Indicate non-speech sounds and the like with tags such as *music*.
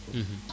*hesitation* *hesitation*